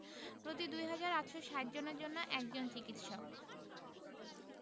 প্রতি ২হাজার ৮৬০ জনের জন্য একজন চিকিৎসক